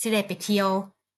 สิได้ไปเที่ยว